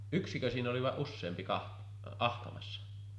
yksikö siinä oli vai useampi ahtamassa